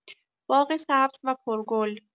باغ سبز و پرگل